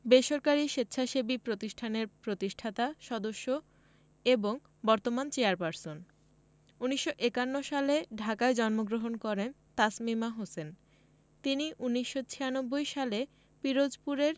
বেসরকারি স্বেচ্ছাসেবী প্রতিষ্ঠানের প্রতিষ্ঠাতা সদস্য এবং বর্তমান চেয়ারপারসন ১৯৫১ সালে ঢাকায় জন্মগ্রহণ করেন তাসমিমা হোসেন তিনি ১৯৯৬ সালে পিরোজপুরের